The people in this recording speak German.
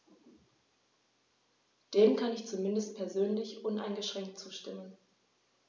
Dem kann ich zumindest persönlich uneingeschränkt zustimmen.